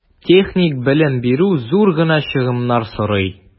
Техник белем бирү зур гына чыгымнар сорый.